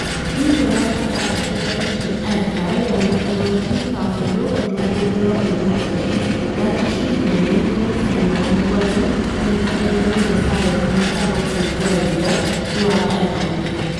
Climo ya faɗaɗa shugabancin Ayr tare da wani fenalti, kafin, lokacin hutun rabin lokaci, ya ci shi ke nan ya musanya wani gwajin kai kaɗai don ya sa ya zama 17 zuwa 5 zuwa Ayr a hutun.